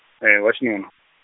e wa xinuna.